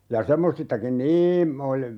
ja semmoisistakin niin -